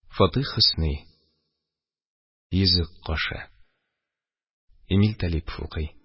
Фатих Хөсни ЙӨЗЕК КАШЫ. Эмиль Талипов укый.